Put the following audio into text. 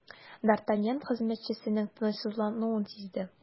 Д’Артаньян хезмәтчесенең тынычсызлануын сизде.